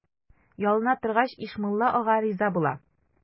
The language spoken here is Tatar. Ялына торгач, Ишмулла ага риза була.